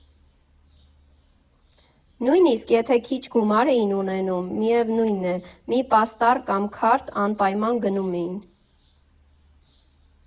Նույնսիկ եթե քիչ գումար էին ունենում, միևնույն է՝ մի պաստառ կամ քարդ անպայման գնում էին։